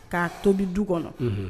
K'a tobi du kɔnɔ